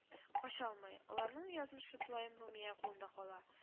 Качалмый, аларның язмышы тулаем румия кулында кала